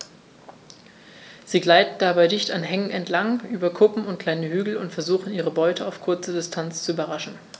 Sie gleiten dabei dicht an Hängen entlang, über Kuppen und kleine Hügel und versuchen ihre Beute auf kurze Distanz zu überraschen.